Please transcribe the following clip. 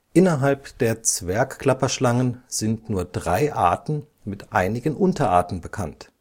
Innerhalb der Zwergklapperschlangen sind nur drei Arten mit einigen Unterarten bekannt